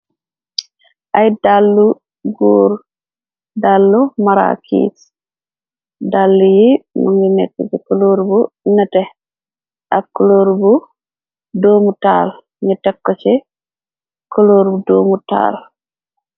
Ay dallu goor, dallu marakis, daale yi nyingi nekk ci kolór bu nete ak kolóor bu doomutaal, ñu tekko ci koloor bu doomutaal.